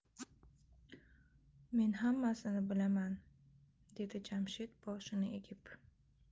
men hammasini bilaman dedi jamshid boshini egib